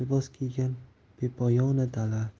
libos kiygan bepoyon dala